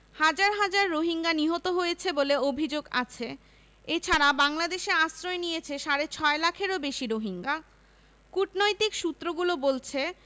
হাজার হাজার রোহিঙ্গা নিহত হয়েছে বলে অভিযোগ আছে এ ছাড়া বাংলাদেশে আশ্রয় নিয়েছে সাড়ে ছয় লাখেরও বেশি রোহিঙ্গা কূটনৈতিক সূত্রগুলো বলছে